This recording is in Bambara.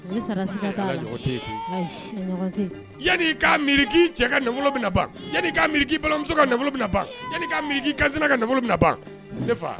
Min sara siga t'a la, hali a ɲɔgɔn tɛ yen koyi, ayi , a ɲɔgɔn tɛ yen. Yann'i ka miri k'i cɛ ka nafolo bɛna ban, yann'i ka miiri k'i balimamuso ka nafolo bɛna ban, yann'i ka miri k'i kansina ka nafolo bɛna ban, ne fa